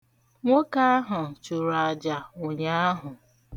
Nwoke ahụ chụrụ aja ụnyaahụ.